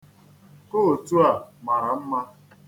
Kootu a mara mma.